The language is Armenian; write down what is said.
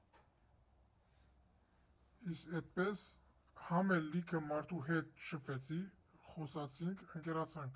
Իսկ էդպես համ էլ լիքը մարդու հետ շփվեցի՝ խոսացինք, ընկերացանք։